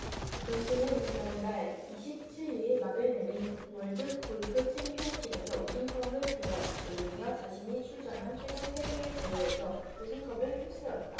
존슨은 지난달 이십 칠 일 막을 내린 월드골프챔피언십에서 우승컵을 들어 올리며 자신이 출전한 최근 세 개 대회에서 우승컵을 휩쓸었다